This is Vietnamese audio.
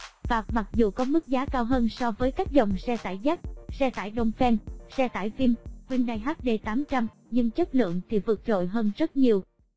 và mặc dù có mức giá cao hơn so với các dòng xe tải jac xe tải dongfeng xe tải veam hyundai hd nhưng chất lượng thì vượt trội hơn rất nhiều